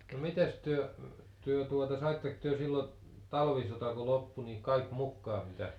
no mitenkäs te te tuota saittekos te silloin talvisota kun loppui niin kaikki mukaan mitä